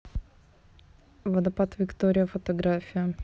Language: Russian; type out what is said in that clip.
водопад виктория фотография